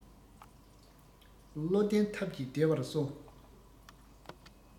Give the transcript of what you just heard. བློ ལྡན ཐབས ཀྱིས བདེ བར གསོ